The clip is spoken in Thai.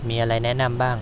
มีอะไรแนะนำบ้าง